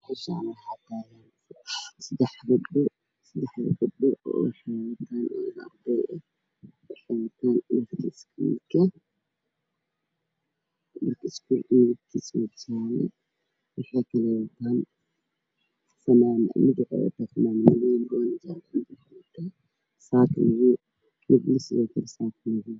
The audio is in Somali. Meeshaa waxay iga muuqda gabdho wato dhar jaalala ah midna mobile wadato mid naafka daboolatay gadaashooduna waxaa ku yaalla guryo dhulkana waa ciid gaduudan